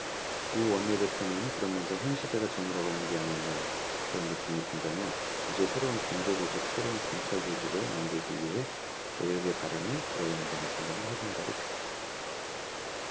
우 원내대표는 그러면서 한 시대가 저물어가는 게 아닌가 그런 느낌이 든다며 이제 새로운 경제조직 새로운 검찰조직을 만들기 위해 개혁의 바람이 불어야한다는 생각을 해 본다고 밝혔다